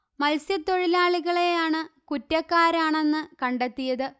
മത്സ്യത്തൊഴിലാളികളെയാണ് കുറ്റക്കാരാണെന്ന്കണ്ടെത്തിയത്